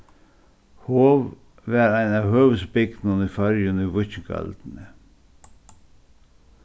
hov var ein av høvuðsbygdunum í føroyum í víkingaøldini